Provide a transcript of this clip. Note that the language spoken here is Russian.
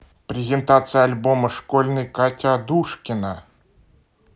презентация альбома школьный катя адушкина